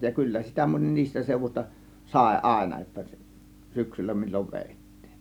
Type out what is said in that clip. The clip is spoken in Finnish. ja kyllä sitä moni niistä seudusta sai aina jotta syksyllä milloin vedettiin